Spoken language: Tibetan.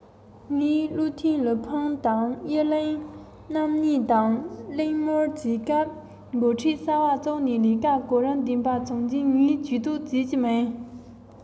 ཚང མའི ལས ཀར ཐེ གཏོགས བྱེད ཀྱི མིན ཟེར བཤད པ ཡིན